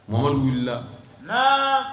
Mamari wulila